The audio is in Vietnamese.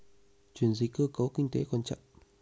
chuyển dịch cơ cấu kinh tế còn chậm